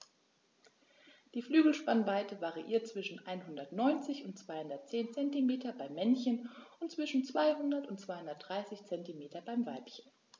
Die Flügelspannweite variiert zwischen 190 und 210 cm beim Männchen und zwischen 200 und 230 cm beim Weibchen.